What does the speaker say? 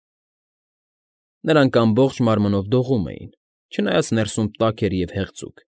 Նրանք ամբողջ մարմնով դողում էին, չնայած ներսում տաք էր և հեղձուկ։